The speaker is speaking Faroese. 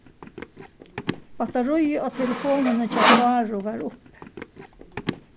battaríið á telefonini hjá sáru var uppi